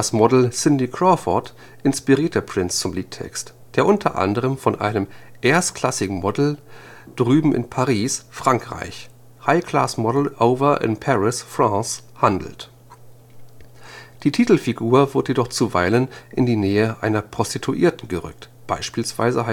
Model Cindy Crawford inspirierte Prince zum Liedtext, der unter anderem von einem „ erstklassigen Model, drüben in Paris, Frankreich “(„ high-class model over in Paris, France “) handelt. Die Titelfigur wird jedoch zuweilen in die Nähe einer Prostituierten gerückt; beispielsweise